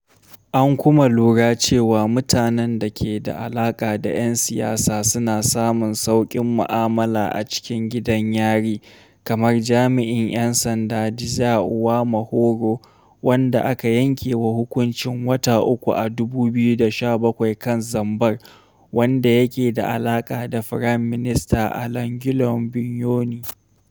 An kuma lura cewa mutanen da ke da alaka da yan siyasa suna samun sauƙin mu'amala a cikin gidan yari, kamar jami’in yan sanda Désiré Uwamahoro — wanda aka yanke wa hukuncin wata uku a 2017 kan zambar — wadda yake da alaka da Firayim Minista Alain Guillaume Bunyoni.